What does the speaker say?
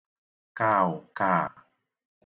kaụ̀ kaà